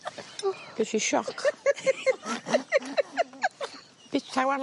O. Gesh i sioc. Bita ŵan...